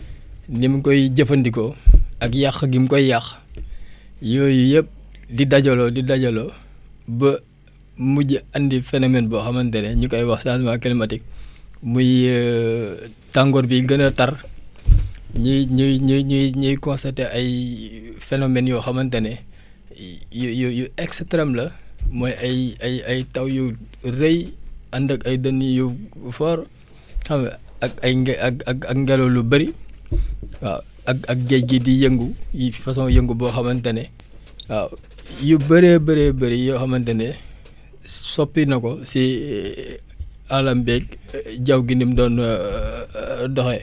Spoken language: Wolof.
nim koy jëfandikoo ak yàq gim koy yàq yooyu yëpp di dajaloo di dajaloo ba mujj andi phénomène boo xamante ne ñu koy wax changement climatique muy tàngoor bi gën a tar ñuy ñuy ñuy ñuy constater ay phénomènes yoo xamante ne yu yu extrèmes la mooy ay ay ay taw yu rëy ànd ak ay dënnu yu forts xam nga ak ay nge ak ak ngelaw lu bëri waaw ak ak géej gi di yëngu yii façon yëngu boo xamante ne waaw yu bëree bëri yoo xamante ne soppi na ko si alam beeg jaww gi nim doon doxee